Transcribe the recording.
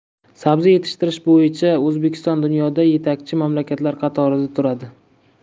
sabzi yetishtirish bo'yicha o'zbekiston dunyoda yetakchi mamlakatlar qatorida turadi